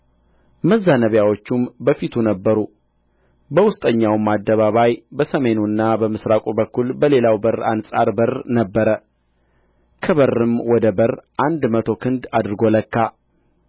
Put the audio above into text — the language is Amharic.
መዛነቢያዎቹም በፊቱ ነበሩ በውስጠኛውም አደባባይ በሰሜኑና በምሥራቁ በኩል በሌላው በር አንጻር በር ነበረ ከበርም ወደ በር አንድ መቶ ክንድ አድርጎ ለካ